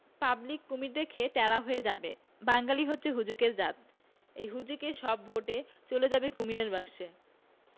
public কুমীর দেখে ট্যারা হয়ে যাবে বাঙ্গালী হচ্ছে হুজুগের জাত এই হুজুগে সব ভােট চলে যাবে কুমীরের বাক্সে